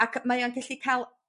Mc mae o'n gallu ca'l